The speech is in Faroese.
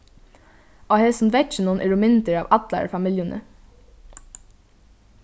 á hesum vegginum eru myndir av allari familjuni